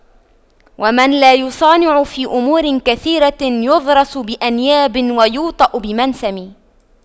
ومن لا يصانع في أمور كثيرة يضرس بأنياب ويوطأ بمنسم